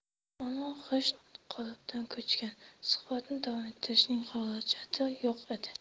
ammo g'isht qolipdan ko'chgan suhbatni davom ettirishning hojati yo'q edi